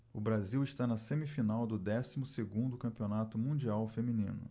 o brasil está na semifinal do décimo segundo campeonato mundial feminino